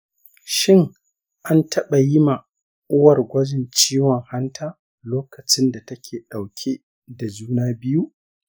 shin an taba yima uwar gwajin ciwon hanta lokacinda take dauke da juna biyu?